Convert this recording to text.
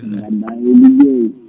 no mbaɗɗa e liggey